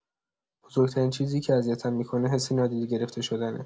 بزرگ‌ترین چیزی که اذیتم می‌کنه حس نادیده گرفته شدنه.